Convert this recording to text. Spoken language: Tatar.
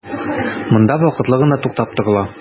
Монда вакытлы гына туктап торыла.